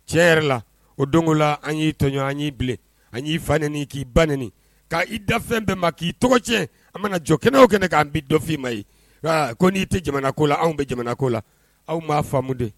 Cɛ yɛrɛ la o donko la, an y'i tɔɲɔgɔn an y'i bilen an y'i fa nɛnin, k'i ba nɛnin k' i da fɛn bɛɛ ma k'i tɔgɔ cɛ an mana jɔ kɛnɛ o kɛnɛ kan an bi dɔ f'i ma yen ɛ ko n'i tɛ jamana ko la k'anw bɛ jamana ko la aw m'a faamu de.